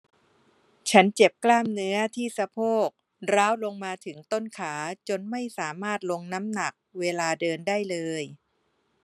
ฉันเจ็บกล้ามเนื้อที่สะโพกร้าวลงมาถึงต้นขาจนไม่สามารถลงน้ำหนักเวลาเดินได้เลย